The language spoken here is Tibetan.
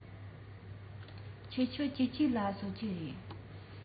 ཆུ ཚོད བཅུ གཅིག ལ གསོད ཀྱི རེད